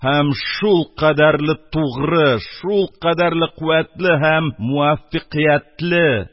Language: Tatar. Һәм шулкадәрле тугры, шулкадәрле куәтле һәм муаффәкыятьле